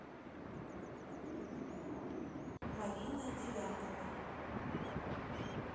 марина девятова